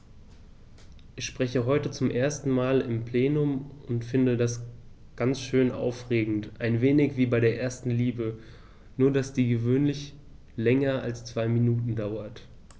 Ich spreche heute zum ersten Mal im Plenum und finde das ganz schön aufregend, ein wenig wie bei der ersten Liebe, nur dass die gewöhnlich länger als zwei Minuten dauert.